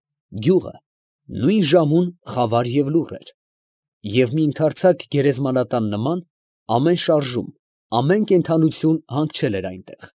Գյուղը նույն ժամուն խավար և լուռ էր, և մի ընդարձակ գերեզմանատան նման, ամեն շարժում, ամեն կենդանություն հանգչել էր այնտեղ։